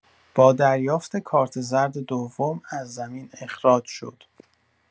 با دریافت کارت زرد دوم از زمین اخراج شد